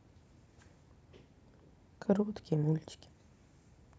короткие мультики